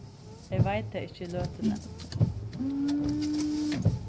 eg veit tað ikki í løtuni